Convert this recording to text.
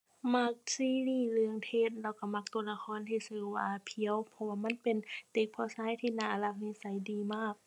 มักซีรีส์เรื่อง TASTE แล้วก็มักก็ละครที่ก็ว่าเพียว เพราะว่ามันเป็นเด็กพ่อชายที่น่ารัก นิสัยดีมาก